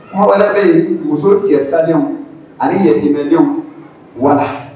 Mun wɛrɛ bɛ yen? muso cɛ salenw ani yatimɛ denw